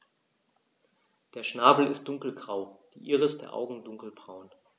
Der Schnabel ist dunkelgrau, die Iris der Augen dunkelbraun.